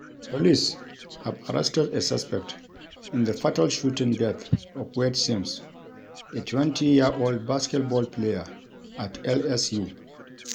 Police have arrested a suspect in the fatal shooting death of Wayde Sims, a 20-year-old basketball player at LSU.